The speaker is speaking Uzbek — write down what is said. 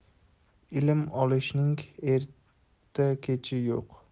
ilm olishning erta kechi yo'q